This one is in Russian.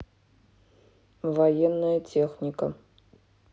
военная техника